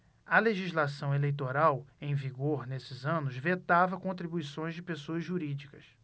a legislação eleitoral em vigor nesses anos vetava contribuições de pessoas jurídicas